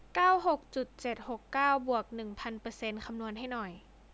เก้าหกเจ็ดจุดเจ็ดหกเก้าบวกหนึ่งพันเปอร์เซ็นต์คำนวณให้หน่อย